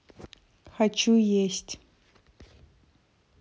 хочу есть